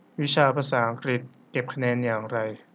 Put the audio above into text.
วิชาภาษาอังกฤษเก็บคะแนนอย่างไร